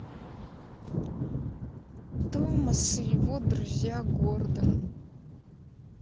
томас и его друзья гордон